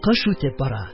Кыш үтеп бара,